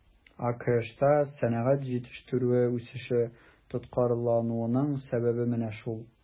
АКШта сәнәгать җитештерүе үсеше тоткарлануның сәбәбе менә шул.